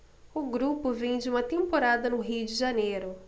o grupo vem de uma temporada no rio de janeiro